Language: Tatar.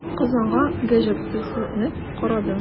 Кыз аңа гаҗәпсенеп карады.